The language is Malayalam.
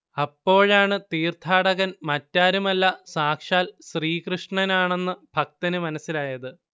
അപ്പോഴാണ് തീർത്ഥാടകൻ മറ്റാരുമല്ല സാക്ഷാൽ ശ്രീകൃഷ്ണനാണെന്ന് ഭക്തന് മനസ്സിലായത്